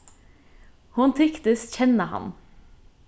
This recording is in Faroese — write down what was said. hon tyktist kenna hann